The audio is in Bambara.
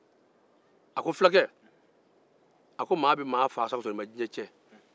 a ko fulakɛ maa be maa faa k'a sɔrɔ i ma diɲɛ tijɛ